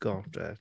Got it.